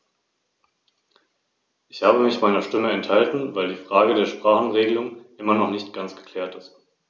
Daher danke ich Ihnen, nun ein paar Worte dazu sagen zu können.